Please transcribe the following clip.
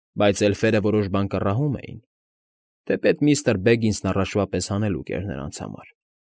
Բայց էլֆերը որոշ բան կռահում էին, թեպետ միստր Բեգինսն առաջվա պես հանելուկ էր նրանց համար։